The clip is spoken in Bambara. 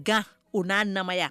Ga o n'a namaya